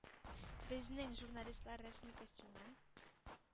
Безнең журналистлар рәсми костюмнан,